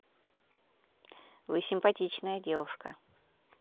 вы симпатичная девушка